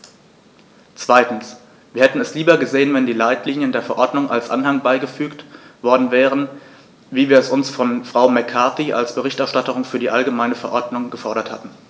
Zweitens: Wir hätten es lieber gesehen, wenn die Leitlinien der Verordnung als Anhang beigefügt worden wären, wie wir es von Frau McCarthy als Berichterstatterin für die allgemeine Verordnung gefordert hatten.